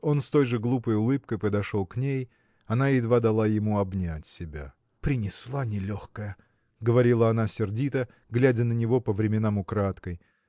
Он с той же глупой улыбкой подошел к ней. Она едва дала ему обнять себя. – Принесла нелегкая – говорила она сердито глядя на него по временам украдкой